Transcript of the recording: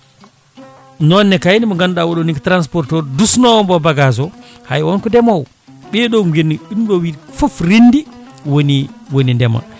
noone kayne mo ganduɗa oɗon ni ko transporteur dusnowo mbo bagage o hay on ko ndeemowo ɓeeɗo gooni ɗum wiide ko foof rendi wooni wooni ndeema